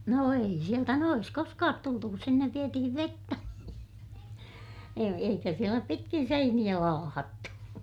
no ei sieltä noessa koskaan tultu kun sinne vietiin vettä - eikä siellä pitkin seiniä laahattu